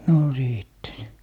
no sitten se